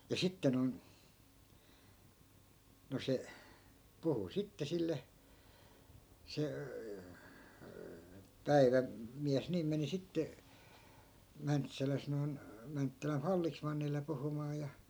ja sitten noin noin se puhui sitten sille se - päivämies niin meni sitten Mäntsälässä noin Mäntsälän vallesmannille puhumaan ja